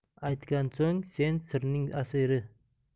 aytgan so'ng sen sirning asiri